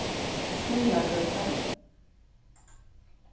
sílagøta